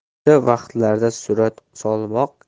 o'sha vaqtlarda surat solmoq